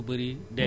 deux mille deux